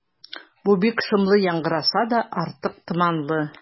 Бу бик шомлы яңгыраса да, артык томанлы.